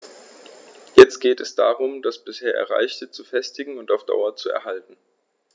Jetzt geht es darum, das bisher Erreichte zu festigen und auf Dauer zu erhalten.